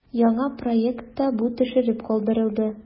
Яңа проектта бу төшереп калдырылды.